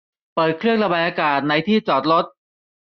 เปิดเครื่องระบายอากาศในที่จอดรถ